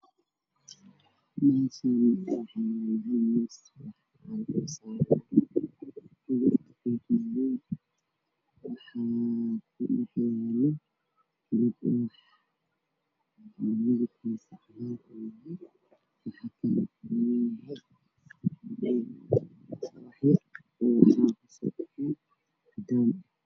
Waa miyes waxaa saaran ubax meydkiisu yahay cagaar cadaan xilsaaran yahay miis midabkiisa qaxwi darbiga wacdaan